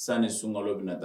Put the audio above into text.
San ni sun nkalon bɛ taa